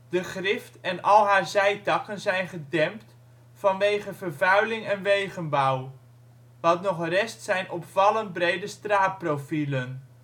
De Grift en al haar zijtakken zijn gedempt vanwege vervuiling en wegenbouw, wat nog rest zijn opvallend brede straatprofielen